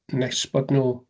Nes bod nhw...